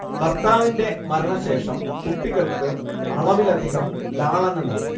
ഭർത്താവിന്റെ മരണശേഷം കുട്ടികൾക്ക് അളവിലധികം ലാളന നല്കി